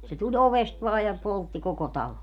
se tuli ovesta vain ja poltti koko talon